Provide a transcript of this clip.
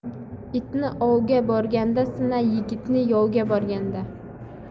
itni ovga borganda sina yigitni yovga borganda